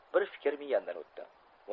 bir fikr miyamdan o'tdi